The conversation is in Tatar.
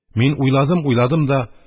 Мин уйладым-уйладым да,